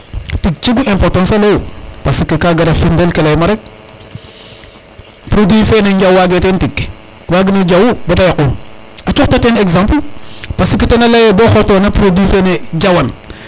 tig jegu importance a leyu parce que ka gara firnel ke leyma rek produit fene ñaw gwage ten tig wagino jaw bata yaqu a coxta ten exemple parce que tena leye ye bo coxonaten produit fene jawan